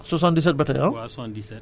95